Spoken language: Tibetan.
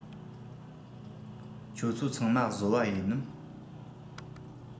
ཁྱོད ཚོ ཚང མ བཟོ པ ཡིན ནམ